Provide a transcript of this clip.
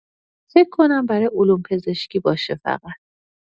فکر کنم برای علوم‌پزشکی باشه فقط